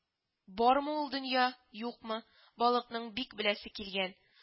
Бармы ул дөнья, юкмы, балыкның бик беләсе килгән